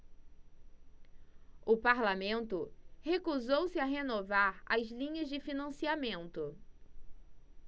o parlamento recusou-se a renovar as linhas de financiamento